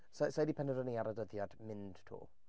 Sa i sa i 'di penderfynnu ar y dyddiad mynd 'to.